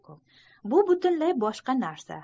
bu butunlay boshqa narsa